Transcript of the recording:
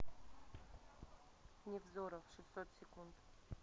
невзоров шестьсот секунд